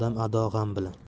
odam ado g'am bilan